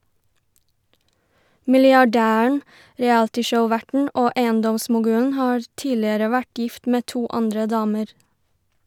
Milliardæren, realityshow-verten og eiendomsmogulen har tidligere vært gift med to andre damer.